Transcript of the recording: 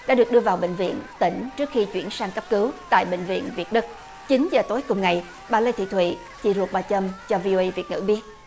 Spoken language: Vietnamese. đã được đưa vào bệnh viện tỉnh trước khi chuyển sang cấp cứu tại bệnh viện việt đức chín giờ tối cùng ngày bà lê thị thụy chị ruột bà châm cho vi ô ây việt ngữ biết